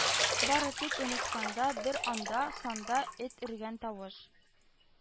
Бары тик онытканда бер анда-санда эт өргән тавыш